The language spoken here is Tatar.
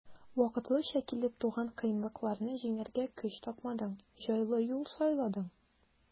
Вакытлыча килеп туган кыенлыкларны җиңәргә көч тапмадың, җайлы юл сайладың.